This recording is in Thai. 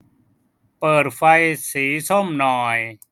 เปิดไฟสีส้มหน่อย